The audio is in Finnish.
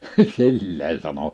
sillä lailla sanoi